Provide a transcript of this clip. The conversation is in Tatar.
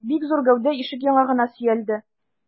Бик зур гәүдә ишек яңагына сөялде.